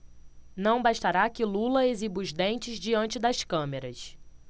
não bastará que lula exiba os dentes diante das câmeras